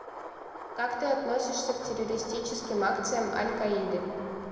как ты относишься к террористическим акциям аль каиды